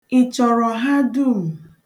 Ị chọrọ ha dum?